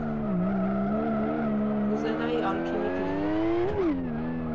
Կուզենայի ալքիմիկ լինել։